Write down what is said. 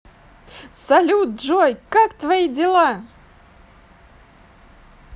салют джой как твои дела